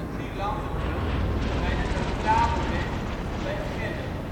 drielandenpunt bij de Neutraleweg bij Gennep